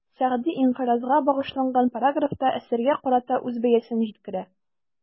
Сәгъди «инкыйраз»га багышланган параграфта, әсәргә карата үз бәясен җиткерә.